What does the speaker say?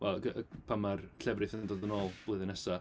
Wel gy- pan ma'r llefrith yn dod yn ôl blwyddyn nesa.